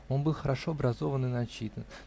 Он был хорошо образован и начитан